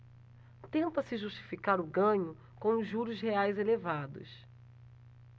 tenta-se justificar o ganho com os juros reais elevados